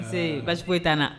Parce que basi e t' na